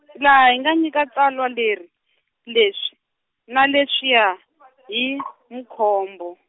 laha hi nga nyika tsalwa leri, leswi, na leswiya , hi , Mkhombo.